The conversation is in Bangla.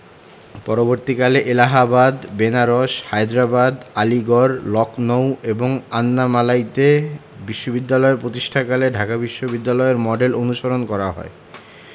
পরবর্তীকালে এলাহাবাদ বেনারস হায়দ্রাবাদ আলীগড় লক্ষ্ণৌ এবং আন্নামালাইতে বিশ্ববিদ্যালয় প্রতিষ্ঠাকালে ঢাকা বিশ্ববিদ্যালয়ের মডেল অনুসরণ করা হয়